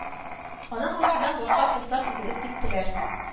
Аның артыннан башка пунктлар тезелеп киттеләр